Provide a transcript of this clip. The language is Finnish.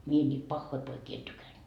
minä niitä pahoja poikia en tykännyt